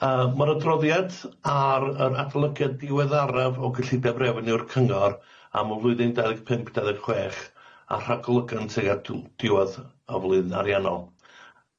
Yy ma'r adroddiad ar yr adolygiad diweddaraf o gellideb refeniwr Cyngor am y flwyddyn dau ddeg pump dau ddeg chwech a rhagolygant ag atw- diwedd y flwyddyn ariannol.